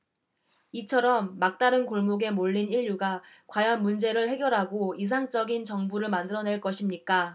이처럼 막다른 골목에 몰린 인류가 과연 문제를 해결하고 이상적인 정부를 만들어 낼 것입니까